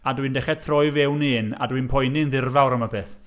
A dwi'n dechrau troi fewn i un, a dwi'n poeni'n ddirfawr am y peth.